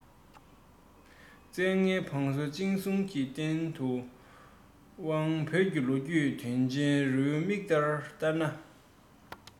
བཙན ལྔའི བང སོ འཆིང གསུང གི རྟེན དུ དཔང བོད ཀྱི ལོ རྒྱུས དོན ཆེན རེའུ མིག ལྟར ན